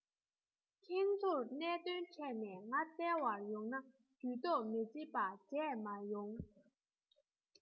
ཁྱེད ཚོར གནད དོན འཕྲད ནས ང བཙལ བར ཡོང ན ཇུས གཏོགས མི བྱེད པ བྱས མ ཡོང